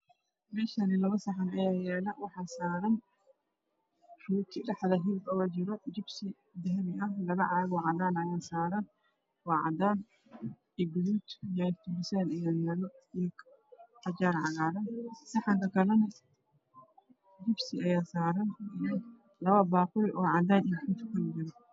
Meeshani labo saxan ayaa yaalo waxaa saran rooti dhexda hilib ooga jiro jibsi dahabi ah labo caag oo cadaan ah ayaa saaran waa cadan iyo gudud ayaa yaalyalp